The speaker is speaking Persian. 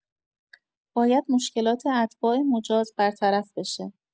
باید مشکلات اتباع مجاز برطرف بشه.